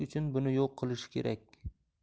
uchun buni yo'q qilishi kerak